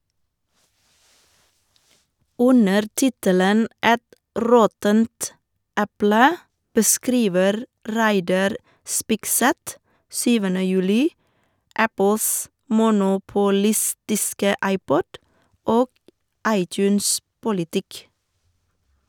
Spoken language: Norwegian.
Under tittelen «Et råttent eple» beskriver Reidar Spigseth 7. juli Apples monopolistiske iPod- og iTunes-politikk.